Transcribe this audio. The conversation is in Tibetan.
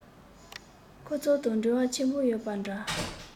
ཁོ ཚོ དང འབྲེལ བ ཆེན པོ ཡོད པ འདྲ